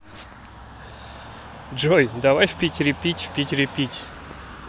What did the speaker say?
джой давай в питере пить в питере пить